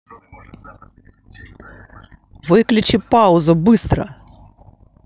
выключи паузу быстро